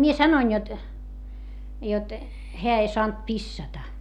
minä sanoin jotta jotta hän ei saanut pissata